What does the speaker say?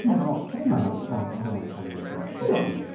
Oh no saying that... oh I'm going on a tangent yeah... Go on